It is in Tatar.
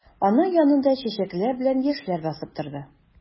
Аның янында чәчәкләр белән яшьләр басып торды.